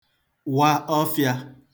wa ọfịā